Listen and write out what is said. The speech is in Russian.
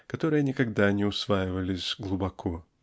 которые никогда не усваивались глубоко.